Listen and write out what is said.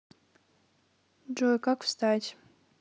джой как стать